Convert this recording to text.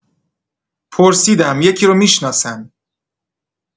پرسیدم یکی رو می‌شناسن